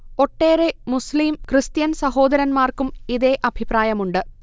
ഒട്ടേറെ മുസ്ളീം കൃസ്ത്യൻ സഹോദരന്മാർക്കും ഇതേ അഭിപ്രായമുണ്ട്